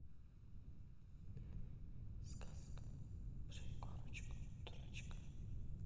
сказка про егорку дурочка